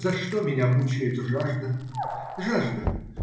За что меня мучает жажда? Жажда!